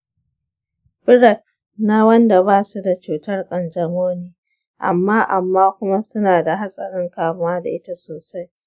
prep na wanda basu da cutar ƙanjamau ne amma amma kuma suna da hatsarin kamuwa da ita sosai.